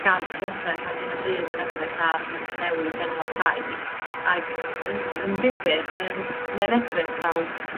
gan y Llywodraeth ar hyn o bryd yn edrych ar newid enwa' tai ag yn yn ddifyr, mae yn mae yn edrych fel